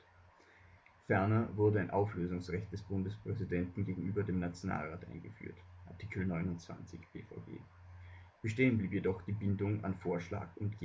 Ferner wurde ein Auflösungsrecht des Bundespräsidenten gegenüber dem Nationalrat eingeführt (Art. 29 B-VG). Bestehen blieb jedoch die Bindung an Vorschlag und